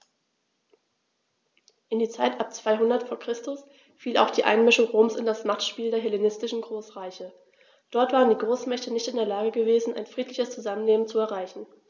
In die Zeit ab 200 v. Chr. fiel auch die Einmischung Roms in das Machtspiel der hellenistischen Großreiche: Dort waren die Großmächte nicht in der Lage gewesen, ein friedliches Zusammenleben zu erreichen.